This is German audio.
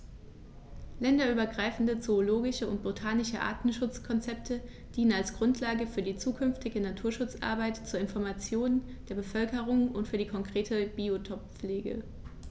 Länderübergreifende zoologische und botanische Artenschutzkonzepte dienen als Grundlage für die zukünftige Naturschutzarbeit, zur Information der Bevölkerung und für die konkrete Biotoppflege.